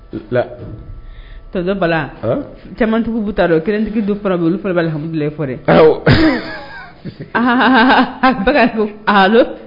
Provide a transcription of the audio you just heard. To bala cɛmantigiw bɛ taaa dɔn ketigi don olu fana'hamududulila